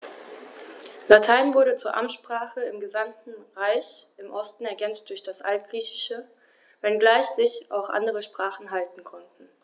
Latein wurde zur Amtssprache im gesamten Reich (im Osten ergänzt durch das Altgriechische), wenngleich sich auch andere Sprachen halten konnten.